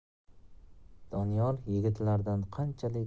doniyor yigitlardan qanchalik